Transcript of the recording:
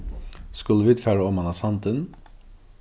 skulu vit fara oman á sandin